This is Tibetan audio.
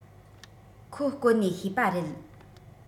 ཁོ བསྐོལ ནས ཤེས པ རེད